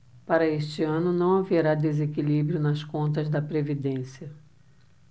para este ano não haverá desequilíbrio nas contas da previdência